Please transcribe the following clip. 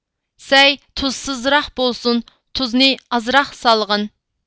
سەي تۇزسىزراق بولسۇن تۈزنى ئازراق سالغىن